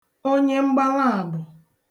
onyemgblaàbụ